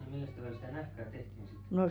no milläs tavalla sitä nahkaa tehtiin sitten